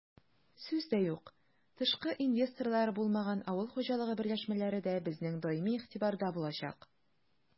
Сүз дә юк, тышкы инвесторлары булмаган авыл хуҗалыгы берләшмәләре дә безнең даими игътибарда булачак.